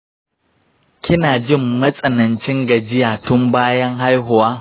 kina jin matsanancin gajiya tun bayan haihuwa?